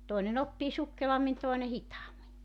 toinen oppii sukkelammin toinen hitaammin